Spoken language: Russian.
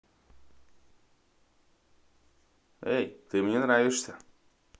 эй ты мне нравишься